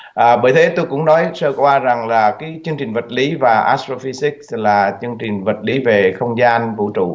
à bởi thế tôi cũng nói sơ qua rằng là cái chương trình vật lý và a trô phi dích là chương trình vật lý về không gian vũ trụ